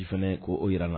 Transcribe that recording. Fɛnɛ ko o yira la.